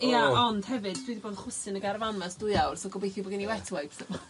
Ia ond hefyd dwi 'di bod yn chwysu yn y garafan 'ma ers dwy awr so gobeithio bo' gen i wet wipes